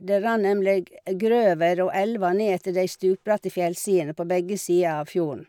Det rant nemlig grøver og elver nedetter de stupbratte fjellsidene på begge sider av fjorden.